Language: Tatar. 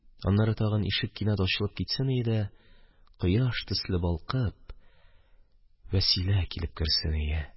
Аннары тагын ишек кинәт ачылып китсен иде дә, кояш төсле балкып, Вәсилә килеп керсен иде.